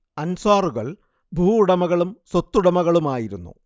അൻസ്വാറുകൾ ഭൂവുടമകളും സ്വത്തുടമകളുമായിരുന്നു